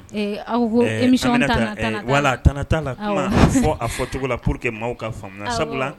Aw ko emi taa wala a t t'a la kuma fɔ a fɔ cogo la pour que maaw ka faamuya sabula